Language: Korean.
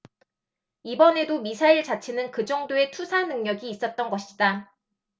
이번에도 미사일 자체는 그 정도의 투사능력이 있었던 것이다